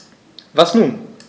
Was nun?